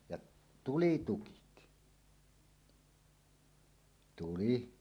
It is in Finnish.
ja tuli tukit tuli